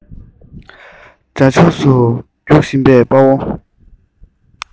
དགྲ ཕྱོགས སུ རྒྱུག བཞིན པའི དཔའ བོ